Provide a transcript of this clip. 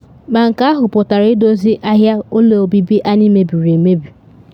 Ma nke ahụ pụtara idozi ahịa ụlọ obibi anyị mebiri emebi.